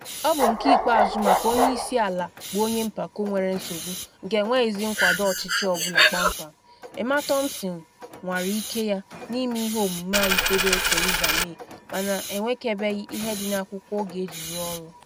Ọ bụ nke ikpeazụ maka onye isi ala bụ onye mpako nwere nsogbu, nke enweghịzi nkwado ọchịchị ọ bụla kpamkpam: Emma Thompson nwara ike ya na ime ihe omume a yitebere Teresa-May mana enwekebeghị ihe dị n’akwụkwọ ọ ga-eji rụọ ọrụ.